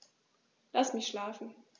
Lass mich schlafen